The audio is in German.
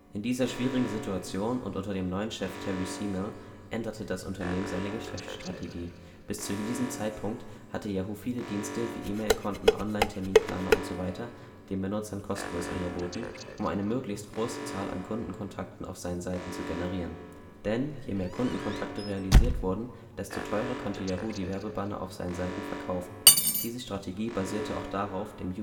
In dieser schwierigen Situation und unter dem neuen Chef Terry Semel änderte das Unternehmen seine Geschäftsstrategie. Bis zu diesem Zeitpunkt hatte Yahoo viele Dienste wie E-Mail-Konten, Online-Terminplaner usw. den Benutzern kostenlos angeboten, um eine möglichst große Zahl an Kundenkontakten auf seinen Seiten zu generieren. Denn: Je mehr Kundenkontakte realisiert wurden, desto teurer konnte Yahoo die Werbebanner auf seinen Seiten verkaufen. Diese Strategie basierte auch darauf, dem